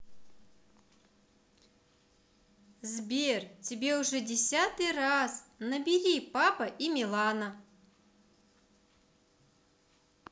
сбер тебе уже десятый раз набери папа и милана